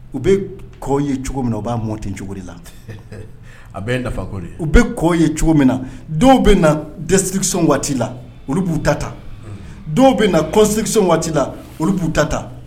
U be kɔ ye cogo min na u b'a mɔ ten cogo de la a bɛɛ ye nafa ko de ye u be kɔ ye cogo min na dɔw bɛ na description waati la olu b'u ta ta dɔw bɛ na construction waati la olu b'u ta ta